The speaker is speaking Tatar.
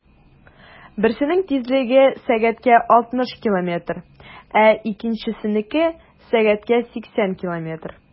Берсенең тизлеге 60 км/сәг, ә икенчесенеке - 80 км/сәг.